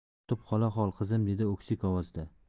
yotib qola qol qizim dedi o'ksik ovozda